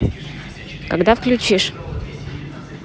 когда включишь